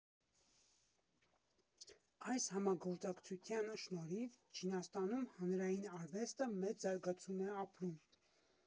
Այս համագործակցության շնորհիվ Չինաստանում հանրային արվեստը մեծ զարգացում է ապրում։